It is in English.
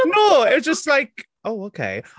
No! It was just like, "Oh ok."